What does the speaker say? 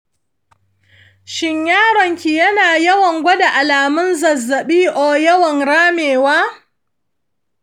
shin yaronki yana yawan gwada alamun zazzabi or yawan ramewa?